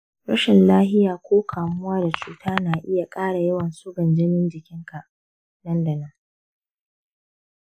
rashin lafiya ko kamuwa da cuta na iya ƙara yawan sugan jininka nan da nan.